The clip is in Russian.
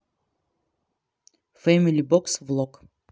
фэмили бокс влог